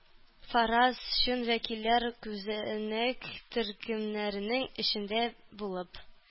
Фараз - чын вәкилләр күзәнәк төркемнәренең эчендә булып...